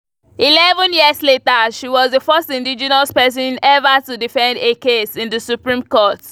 Eleven years later, she was the first indigenous person ever to defend a case in the Supreme Court.